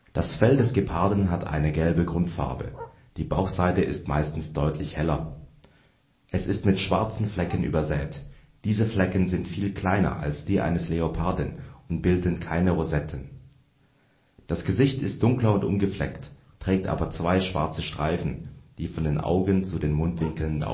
Das Fell des Geparden hat eine gelbe Grundfarbe; die Bauchseite ist meistens deutlich heller. Es ist mit schwarzen Flecken übersät; diese Flecken sind viel kleiner als die eines Leoparden und bilden keine Rosetten. Das Gesicht ist dunkler und ungefleckt, trägt aber zwei schwarze Streifen, die von den Augen zu den Mundwinkeln